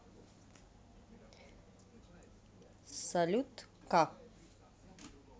salute к